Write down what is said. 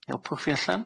Helpwch fi allan.